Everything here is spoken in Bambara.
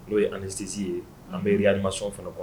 N'o ye anesthésie ye an bɛ reanimation fana kɔnɔ.